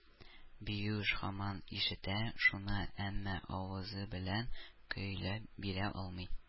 Биюш һаман ишетә шуны, әмма авызы белән көйләп бирә алмый.